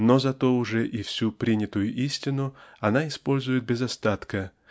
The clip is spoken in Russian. но зато уже и всю принятую истину она использует без остатка